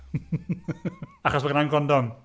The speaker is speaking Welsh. Achos bod gennai'm condom.